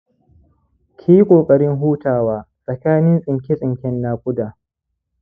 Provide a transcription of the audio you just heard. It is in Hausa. ki yi ƙoƙarin hutawa tsakanin tsinke-tsinken nakuda.